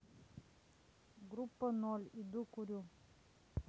группа ноль иду курю